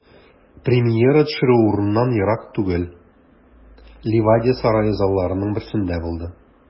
Премьера төшерү урыныннан ерак түгел, Ливадия сарае залларының берсендә булды.